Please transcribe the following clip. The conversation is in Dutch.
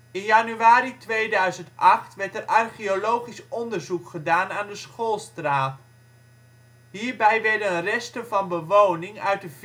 januari 2008 werd er archeologisch onderzoek gedaan aan de Schoolstraat. Hierbij werden resten van bewoning uit